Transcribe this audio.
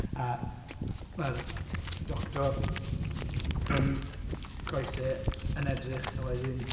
A mae'r doctor rhwng coesau yn edrych a wedyn...